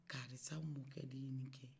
karisa mɔkɛ de ye nin kɛ